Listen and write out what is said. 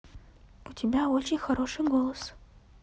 у тебя очень хороший голос